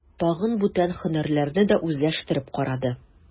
Тагын бүтән һөнәрләрне дә үзләштереп карады.